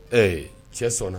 Ɛɛ cɛ sɔnna